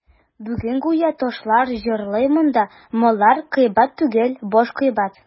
Бүген гүя ташлар җырлый монда: «Маллар кыйбат түгел, баш кыйбат».